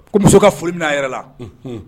Ko muso ka foli minɛ a yɛrɛ la, unhun.